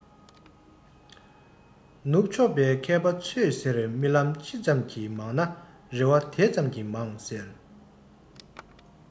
ནུབ ཕྱོགས པའི མཁས པ ཚོས ཟེར རྨི ལམ ཅི ཙམ གྱིས མང ན རེ བ དེ ཙམ གྱིས མང ཟེར